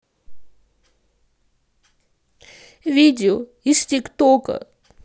видео из тик тока